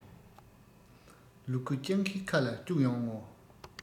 ལུ གུ སྤྱང ཀིའི ཁ ལ བཅུག ཡོང ངོ